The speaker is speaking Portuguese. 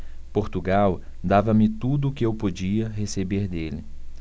portugal dava-me tudo o que eu podia receber dele